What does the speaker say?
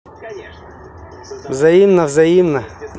взаимно взаимно